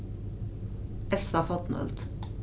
elsta fornøld